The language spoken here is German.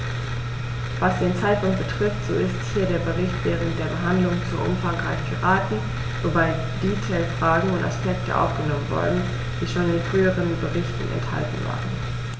Was den Zeitpunkt betrifft, so ist hier der Bericht während der Behandlung zu umfangreich geraten, wobei Detailfragen und Aspekte aufgenommen wurden, die schon in früheren Berichten enthalten waren.